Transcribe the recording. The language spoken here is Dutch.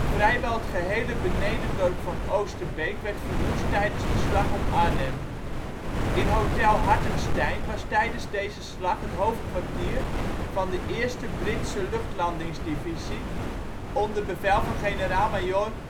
Vrijwel het gehele benedendorp van Oosterbeek werd verwoest tijdens de Slag om Arnhem. In hotel Hartenstein was tijdens deze slag het hoofdkwartier van de 1e Britse Luchtlandingsdivisie onder bevel van generaal-majoor